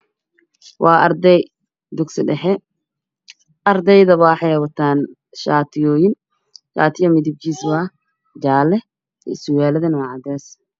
Waa arday dhigata dugsi dhexe waxay wataan shati cadaan ah iyo surwalo jaallac na wataan boorsooyin